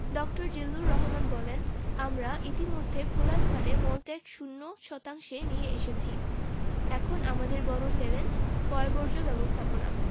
ড. বলেন জিল্লুর রহমান আমরা ইতিমধ্যে খোলা স্থানে মলত্যাগ শূন্য শতাংশে নিয়ে এসেছি এখন আমাদের বড় চ্যালেঞ্জ পয়ঃবর্জ্য ব্যবস্থাপনা